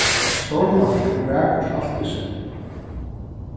stórbært og vakurt alt í senn